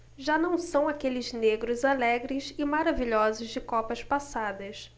já não são aqueles negros alegres e maravilhosos de copas passadas